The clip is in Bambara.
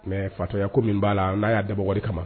Mais fatɔya ko min b'a la n'a y'a dabɔ wari kama